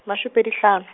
masho- pedi hlano.